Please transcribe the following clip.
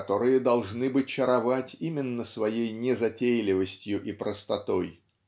которые должны бы чаровать именно своей незатейливостью и простотой